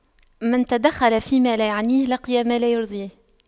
من تَدَخَّلَ فيما لا يعنيه لقي ما لا يرضيه